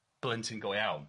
blentyn go iawn.